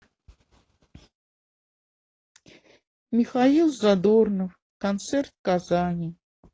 михаил задорнов концерт в казани